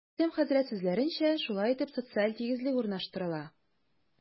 Рөстәм хәзрәт сүзләренчә, шулай итеп, социаль тигезлек урнаштырыла.